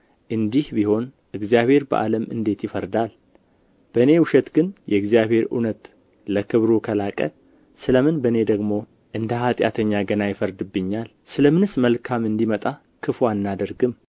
እንዲህ ቢሆን እግዚአብሔር በዓለም እንዴት ይፈርዳል በእኔ ውሸት ግን የእግዚአብሔር እውነት ለክብሩ ከላቀ ስለምን በእኔ ደግሞ እንደ ኃጢአተኛ ገና ይፈርድብኛል ስለ ምንስ መልካም እንዲመጣ ክፉ አናደርግም